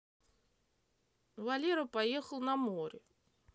валера поехал на море